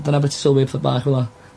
Dyna be' ti sylwi petha bach fel 'a.